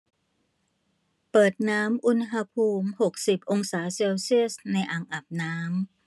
เปิดน้ำอุณหภูมิหกสิบองศาเซลเซียสในอ่างอาบน้ำ